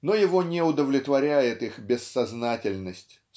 но его не удовлетворяет их бессознательность